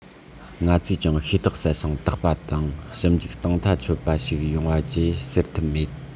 ང ཚོས ཀྱང ཤེས རྟོགས གསལ ཞིང དག པ དང ཞིབ འཇུག གཏིང མཐའ ཆོད པ ཞིག བྱུང ཡོད ཅེས ཟེར ཐབས མེད